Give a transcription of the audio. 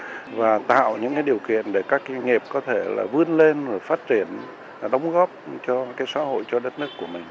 và tạo những điều kiện để các doanh nghiệp có thể là vươn lên phát triển đóng góp cho xã hội cho đất nước của mình